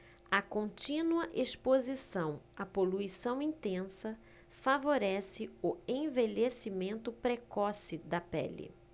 a contínua exposição à poluição intensa favorece o envelhecimento precoce da pele